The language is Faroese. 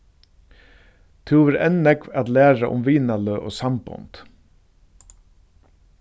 tú hevur enn nógv at læra um vinaløg og sambond